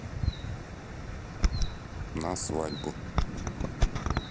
на свадьбу